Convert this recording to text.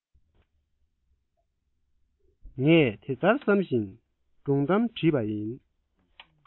ངས དེ ལྟར བསམ བཞིན སྒྲུང གཏམ བྲིས པ ཡིན